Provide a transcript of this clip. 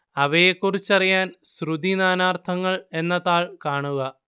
അവയെക്കുറിച്ചറിയാൻ ശ്രുതി നാനാർത്ഥങ്ങൾ എന്ന താൾ കാണുക